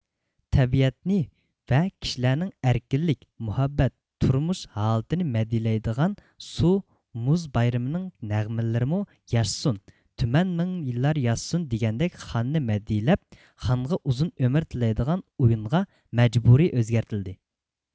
تەبىئەتنى ۋە كىشىلەرنىڭ ئەركىنلىك مۇھەببەت تۇرمۇش ھالىتىنى مەدھىيلەيدىغان سۇ مۇز بايرىمىنىڭ نەغمىلىرىمۇ ياشىسۇن تۈمەن مىڭ يىللار ياشىسۇن دېگەندەك خاننى مەدھىيلەپ خانغا ئۇزۇن ئۆمۈر تىلەيدىغان ئۇيۇنغا مەجبۇرى ئۆزگەرتىلدى